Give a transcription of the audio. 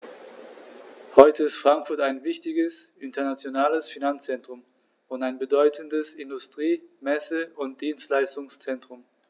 Heute ist Frankfurt ein wichtiges, internationales Finanzzentrum und ein bedeutendes Industrie-, Messe- und Dienstleistungszentrum.